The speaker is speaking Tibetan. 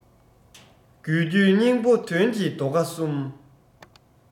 དགོས རྒྱུའི སྙིང པོ དོན གྱི རྡོ ཁ གསུམ